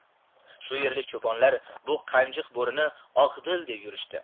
shu yerlik cho'ponlar bu qanjiq bo'rini oqdil deb yurishdi